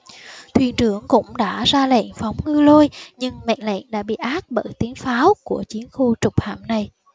thuyền trưởng cũng đã ra lệnh phóng ngư lôi nhưng mệnh lệnh đã bị át bởi tiếng pháo của chiếc khu trục hạm này